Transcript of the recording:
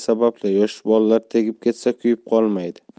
sababli yosh bolalar tegib ketsa kuyib qolmaydi